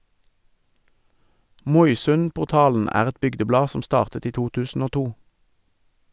Moisundportalen er et bygdeblad som startet i 2002.